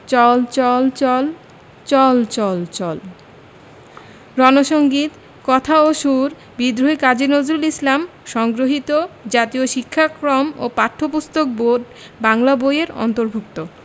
চল চল চল চল চল চল রন সঙ্গীত কথা ও সুর বিদ্রোহী কাজী নজরুল ইসলাম সংগ্রহীত জাতীয় শিক্ষাক্রম ও পাঠ্যপুস্তক বোর্ড বাংলা বই এর অন্তর্ভুক্ত